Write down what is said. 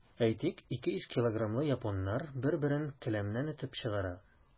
Әйтик, 200 килограммлы японнар бер-берен келәмнән этеп чыгара.